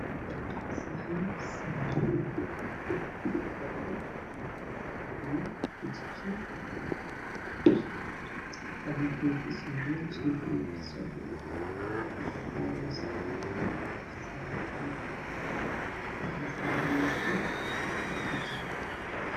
Waa saxan waxaa kujiro dooro iyo jikin. Saxanku waa madow, jikinku waa gaduud. Waxaa kaloo miiska saaran basal gaduud iyo kajab.